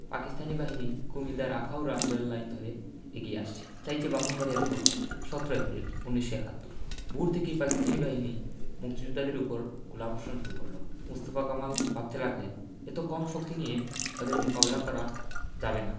পাকিস্তানি বাহিনী কুমিল্লার আখাউড়া রেললাইন ধরে এগিয়ে আসছে চাইছে ব্রাহ্মনবাড়িয়া দখল করতে ১৭ এপ্রিল ১৯৭১ ভোর থেকেই পাকিস্তানি বাহিনী মুক্তিযোদ্ধাদের উপর গোলাবর্ষণ শুরু করল মোস্তফা কামাল ভাবতে লাগলেন এত কম শক্তি নিয়ে ওদের মোকাবিলা করা যাবে না